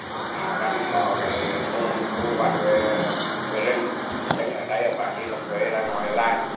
à thành không có cái nguồn thu hoạch về về rừng dân ở đây phải đi làm thuê ra ngoài làng